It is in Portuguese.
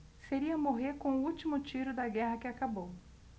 seria morrer com o último tiro da guerra que acabou